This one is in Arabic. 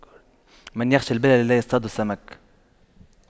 من يخشى البلل لا يصطاد السمك